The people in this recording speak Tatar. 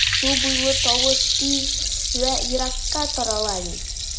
Су буйлый тавыш тиз вә еракка тарала бит...